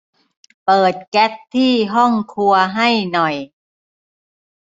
เปิดแก๊สที่ห้องครัวให้หน่อย